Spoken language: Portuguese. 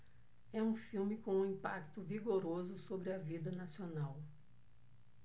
é um filme com um impacto vigoroso sobre a vida nacional